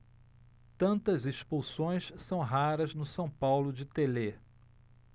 tantas expulsões são raras no são paulo de telê